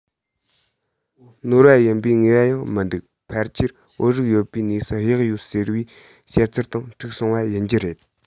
ནོར བ ཡིན པའི ངེས པ ཡང མི འདུག ཕལ ཆེར བོད རིགས ཡོད པའི གནས སུ གཡག ཡོད ཟེར བའི བཤད ཚུལ དང འཁྲུག སོང བ ཡིན རྒྱུ རེད